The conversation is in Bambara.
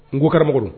N ko karamɔgɔ